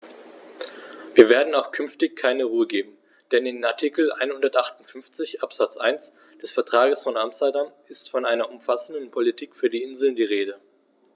Wir werden auch künftig keine Ruhe geben, denn in Artikel 158 Absatz 1 des Vertrages von Amsterdam ist von einer umfassenden Politik für die Inseln die Rede.